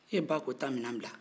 e ba ko taa minɛn bila